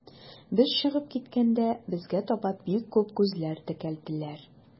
Без чыгып киткәндә, безгә таба бик күп күзләр текәлделәр.